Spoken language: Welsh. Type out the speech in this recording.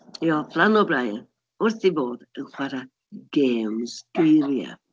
Mi oedd Flan O'Brien wrth ei fodd ryw chwarae gêms geiria.